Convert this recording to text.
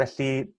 felly